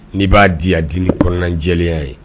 N'i b'a di di ni kɔnɔnajɛya ye